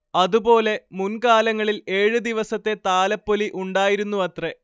അതുപോലെ മുൻ കാലങ്ങളിൽ ഏഴ് ദിവസത്തെ താലപ്പൊലി ഉണ്ടായിരുന്നുവത്രെ